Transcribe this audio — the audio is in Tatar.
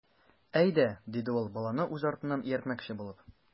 Әйдә,— диде ул, баланы үз артыннан ияртмөкче булып.